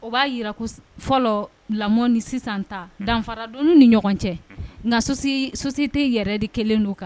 O b'a yira ko s fɔlɔɔ lamɔ ni sisan ta danfara donn'u ni ɲɔgɔn cɛ unhun nka sosiyee société yɛrɛ de kelen don ka